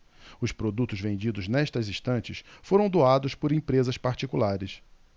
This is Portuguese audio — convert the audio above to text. os produtos vendidos nestas estantes foram doados por empresas particulares